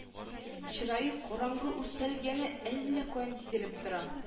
Чырае караңгы үртәлгәне әллә каян сизелеп тора